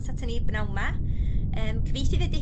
###atyn ni b'nawn 'ma yym cyfeithydd ydi...